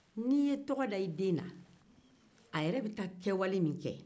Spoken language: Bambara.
n'i ye tɔgɔda i den na a yɛrɛ bɛ taa kɛwale min kɛ